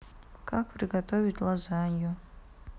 как приготовить лазанью